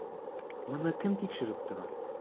Моны кем тикшереп тора?